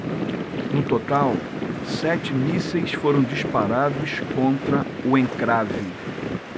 no total sete mísseis foram disparados contra o encrave